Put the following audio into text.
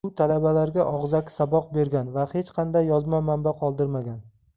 u talabalarga og'zaki saboq bergan va hech qanday yozma manba qoldirmagan